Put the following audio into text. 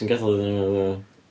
Ti'n gadael iddyn nhw .